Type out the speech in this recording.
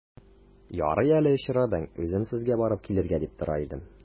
Ярый әле очрадың, үзем сезгә барып килергә дип тора идем.